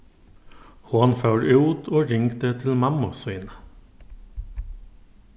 hon fór út og ringdi til mammu sína